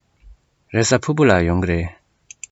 རེས གཟའ ཕུར བུ ལ ཡོང གི རེད